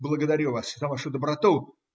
Благодарю вас за вашу доброту.